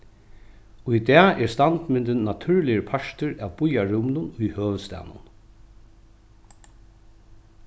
í dag er standmyndin natúrligur partur av býarrúminum í høvuðsstaðnum